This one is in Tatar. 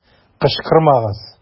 Кычкырмагыз!